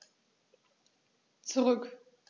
Zurück.